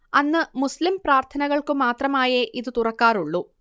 അന്ന് മുസ്ലിം പ്രാർത്ഥനകൾക്കു മാത്രമായേ ഇത് തുറക്കാറുള്ളൂ